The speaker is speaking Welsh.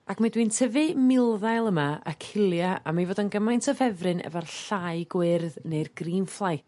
Ac mi ydw i'n tyfu milddail yma achillea am ei fod yn gymaint o ffefryn efo'r llai gwyrdd neu'r greenfly.